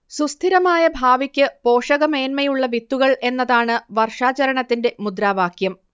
സുസ്ഥിരമായ ഭാവിക്ക് പോഷകമേന്മയുള്ള വിത്തുകൾ എന്നതാണ് വർഷാചരണത്തിന്റെ മുദ്രാവാക്യം